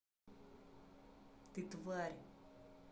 ты тварь